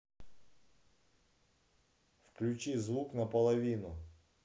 включи звук на половину